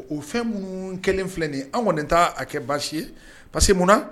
O fɛn munnuu kɛlen filɛ nin ye anw ŋɔni t'aa a kɛ baasi ye parce que munna